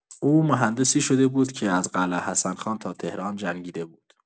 او مهندسی شده بود که از قلعه حسن خان تا تهران جنگیده بود.